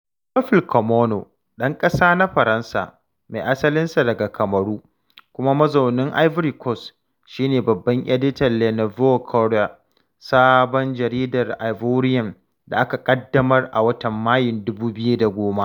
Théophile Kouamouo, ɗan ƙasa na Faransa mai asalinsa daga Kamaru kuma mazaunin Ivory Coast, shine Babban Editan Le Nouveau Courrier, sabon jaridar Ivorian da aka ƙaddamar a watan Mayu 2010.